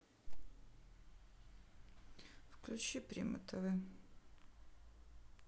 включи прима тв